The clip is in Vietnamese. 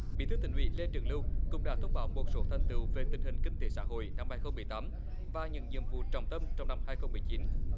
bí thư tỉnh ủy lê trường lưu cũng đã thông báo một số thành tựu về tình hình kinh tế xã hội năm hai không mười tám và những nhiệm vụ trọng tâm trong năm hai không mười chín